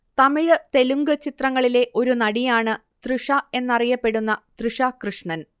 തമിഴ്, തെലുങ്ക് ചിത്രങ്ങളിലെ ഒരു നടിയാണ് തൃഷ എന്നറിയപ്പെടുന്ന തൃഷ കൃഷ്ണൻ